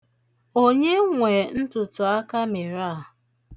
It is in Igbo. Onye nwe ntụtụakamere a?